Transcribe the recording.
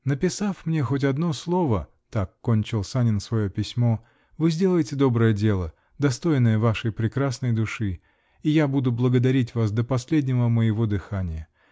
"Написав мне хоть одно слово, -- так кончил Санин свое письмо, -- вы сделаете доброе дело, достойное вашей прекрасной души, -- и я буду благодарить вас до последнего моего дыхания.